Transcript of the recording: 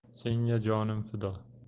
senga jonim fido